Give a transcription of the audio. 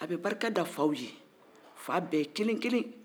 a bɛ barika da faw ye fa bɛɛ ye kelen-kelen